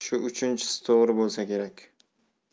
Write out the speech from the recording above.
shu uchinchisi to'g'ri bo'lsa kerak